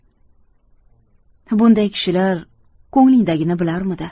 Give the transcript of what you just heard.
bunday kishilar ko'nglingdagini bilarmidi